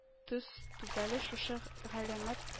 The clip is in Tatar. Төз түбәле шушы га галәмәт